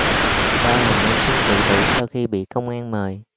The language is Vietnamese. đau lòng nam sinh tự tử sau khi bị công an mời